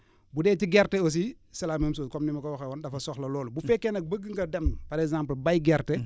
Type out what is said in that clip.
bu dee ci gerte aussi c' est la même chose :fracomme ni ma ko waxee woon dafa soxla loolu bu fekkee nag bëgg nga dem par exemple bay gerte